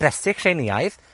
bresych Tsieineaidd,